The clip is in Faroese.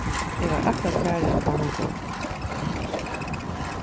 eg var akkurát farin tá hann kom